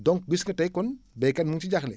donc bis ko tey kon béykat mu ngi si jaaxle